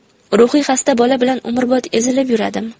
ruhiy xasta bola bilan umrbod ezilib yuradimi